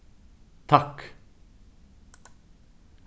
takk